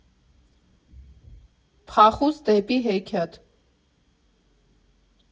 Փախուստ դեպի հեքիաթ։